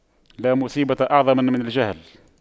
لا مصيبة أعظم من الجهل